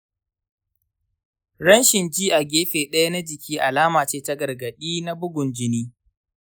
ranshin ji a gefe ɗaya na jiki alama ce ta gargaɗi na bugun jini.